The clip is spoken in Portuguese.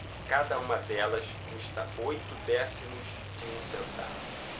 cada uma delas custa oito décimos de um centavo